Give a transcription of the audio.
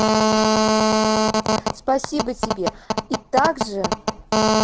спасибо тебе и также